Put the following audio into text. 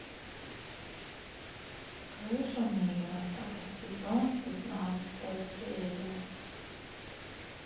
крыша мира второй сезон пятнадцатая серия